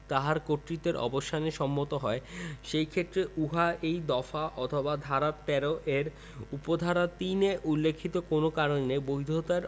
তাহার কর্তৃত্বের অবসানে সম্মত হয় সেইক্ষেত্রে উহা এই দফা অথবা ধারা ১৩ এর উপ ধারা ৩ এ উল্লেখিত কোন কারণের বৈধতার